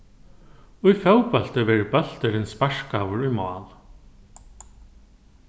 í fótbólti verður bólturin sparkaður í mál